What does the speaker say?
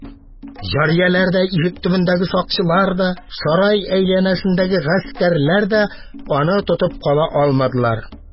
Җарияләр дә, ишек төбендәге сакчылар да, сарай әйләнәсендәге гаскәрләр дә аны тотып кала алмадылар.